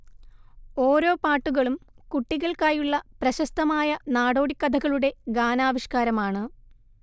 ഓരോ പാട്ടുകളും കുട്ടികൾക്കായുള്ള പ്രശസ്തമായ നാടോടിക്കഥകളുടെ ഗാനാവിഷ്കാരമാണ്